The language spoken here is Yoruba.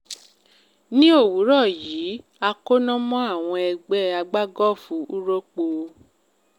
Ní òwúrò yí, a kóná mọ àwọn ẹgbẹ́ agbágọ́ọfù Úròòpù.